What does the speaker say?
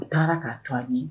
U taara k'a to an ye.